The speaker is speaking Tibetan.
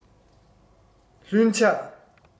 ལྷུན ཆགས